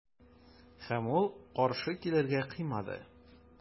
Һәм ул каршы килергә кыймады.